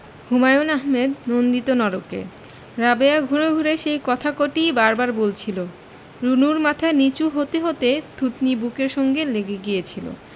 হুমায়ুন আহমেদ নন্দিত নরকে রাবেয়া ঘুরে ঘুরে সেই কথা কটিই বার বার বলছিলো রুনুর মাথা নীচু হতে হতে থুতনি বুকের সঙ্গে লেগে গিয়েছিলো